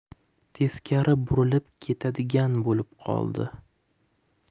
teskari burilib ketadigan bo'lib qoldi